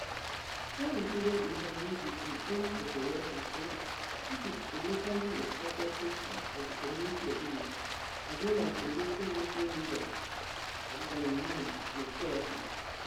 Sow included interviews with an “homme culturel,” which is a locally respected patriarch of the community or village, as well as a local Muslim leader (an imam) and a therapist.